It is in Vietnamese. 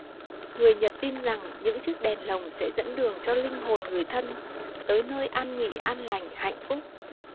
người nhật tin rằng những chiếc đèn lồng sẽ dẫn đường cho linh hồn người thân tới nơi an nghỉ an lành hạnh phúc